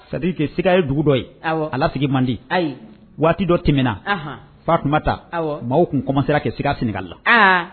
C'est à dire que siga ye dugu dɔ ye awɔ ala sigi mandi ayi waati dɔ tɛmɛna anhan Fatumata awɔ maaw tun commencer ra kɛ siga Senegal la aaa